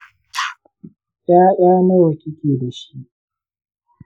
ƴaƴa nawa kike da shi?